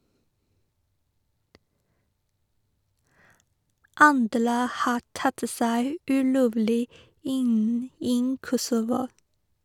Andre har tatt seg ulovlig inn i Kosovo.